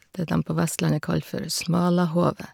Det dem på Vestlandet kaller for smalahove.